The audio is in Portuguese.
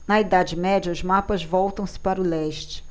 na idade média os mapas voltam-se para o leste